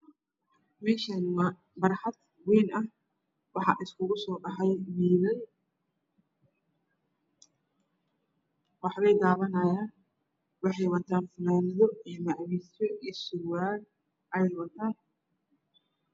Meeshaani waa barxad way ah waxaa isugu soobaxay wiilal waxbey daawanaayan waxay wataan fanaanado macwiisyo iyo surwaalo ayey wataan